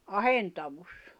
ahentaus